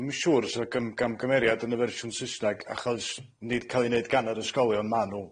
Dwi'm yn siŵr os o'dd y gym- gymgymeriad yn y fersiwn Saesneg achos nid ca'l ei neud gan yr ysgolion ma' nw.